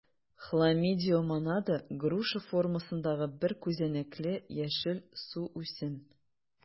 Хламидомонада - груша формасындагы бер күзәнәкле яшел суүсем.